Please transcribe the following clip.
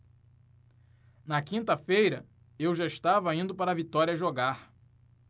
na quinta-feira eu já estava indo para vitória jogar